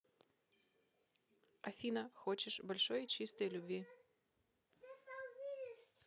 афина хочешь большой чистой любви